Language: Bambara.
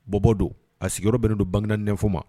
Bɔbɔ don a sigiyɔrɔ bɛnen don bangenanɛnfɔ ma